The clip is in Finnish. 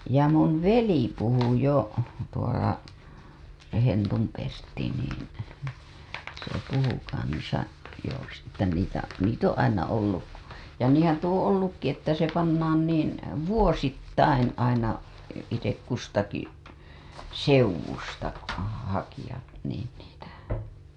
ja minun veli puhui jo tuolla Hentun Pertti niin se puhui kanssa joo - että niitä niitä on aina ollut ja niinhän tuo on ollutkin että se pannaan niin vuosittain aina itse kustakin seudusta hakijat niin niitä